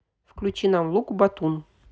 включи нам лук батун